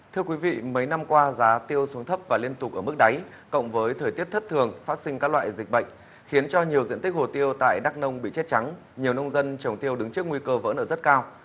thưa quý vị mấy năm qua giá tiêu xuống thấp và liên tục ở mức đáy cộng với thời tiết thất thường phát sinh các loại dịch bệnh khiến cho nhiều diện tích hồ tiêu tại đắc nông bị chết trắng nhiều nông dân trồng tiêu đứng trước nguy cơ vỡ nợ rất cao